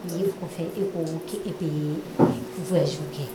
Kɔfɛ e k' k kɛ e bɛ vwazw kɛ